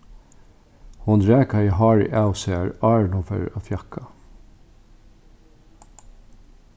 hon rakaði hárið av sær áðrenn hon fór at fjakka